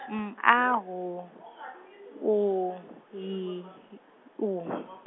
M A H, U Y, U .